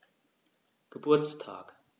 Geburtstag